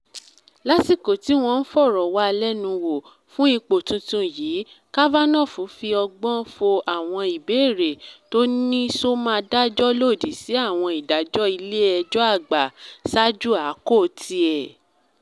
Lásìkò tí wọ́n ń fọ̀rọ̀walẹ́nuwò fún ipò tuntun yìí, Kavanaugh fi ọgbọ́n fo àwọn ìbéèrè tó ní ṣo máa dájọ́ lòdì sí àwọn ìdájọ́ Ilé-ẹjọ́ Àgbà sáájú àḱkò tiẹ̀.